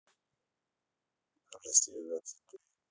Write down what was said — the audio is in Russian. россия двадцать три